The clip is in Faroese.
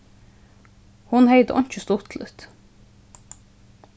hon hevði tað einki stuttligt